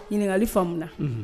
Ɲininkali faamu na. Unhun!